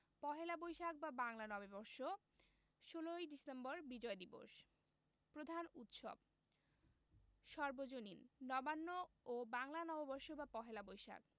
পহেলা বৈশাখ বা বাংলা নববর্ষ ১৬ই ডিসেম্বর বিজয় দিবস প্রধান উৎসবঃ সর্বজনীন নবান্ন ও বাংলা নববর্ষ বা পহেলা বৈশাখ